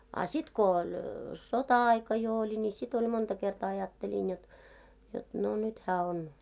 a sitten kun oli sota-aika jo oli niin sitten oli monta kertaa ajattelin jotta jotta no nyt hän on